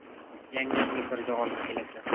yangangni birga olib kelasan